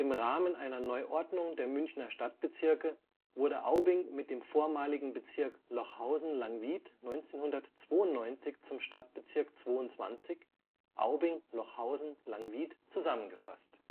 Rahmen einer Neuordnung der Münchner Stadtbezirke wurde Aubing mit dem vormaligen Bezirk Lochausen-Langwied 1992 zum Stadtbezirk 22, Aubing-Lochhausen-Langwied zusammengefasst